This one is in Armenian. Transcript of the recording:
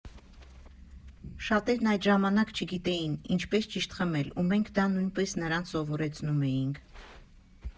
Շատերն այդ ժամանակ չգիտեին՝ ինչպես ճիշտ խմել, ու մենք դա նույնպես նրանց սովորեցնում էինք։